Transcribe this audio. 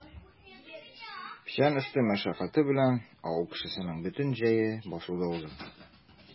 Печән өсте мәшәкате белән авыл кешесенең бөтен җәе басуда уза.